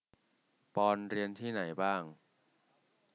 ปอนด์เรียนที่ไหนบ้าง